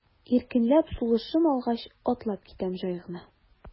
Иркенләп сулышым алгач, атлап китәм җай гына.